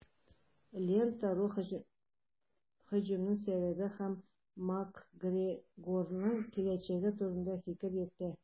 "лента.ру" һөҗүмнең сәбәбе һәм макгрегорның киләчәге турында фикер йөртә.